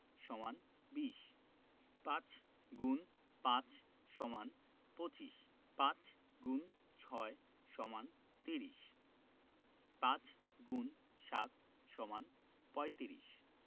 = ২০ ৫× ৫ = ২৫ ৫x ৬ = ৩০ ৫× ৭ = ৩৫